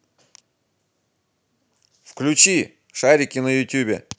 включи шарики на ютубе